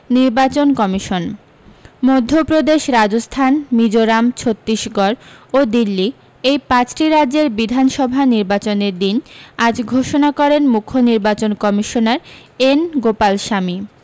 নির্বাচন কমিশন মধ্যপ্রদেশ রাজস্থান মিজোরাম ছত্তিশগড় ও দিল্লী এই পাঁচটি রাজ্যের বিধানসভা নির্বাচনের দিন আজ ঘোষণা করেন মুখ্য নির্বাচন কমিশনার এন গোপালস্বামী